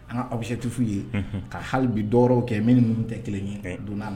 An awbi se tufu ye ka hali bi dɔw kɛ min ninnu tɛ kelen ye don'a